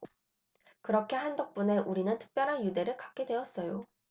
그렇게 한 덕분에 우리는 특별한 유대를 갖게 되었어요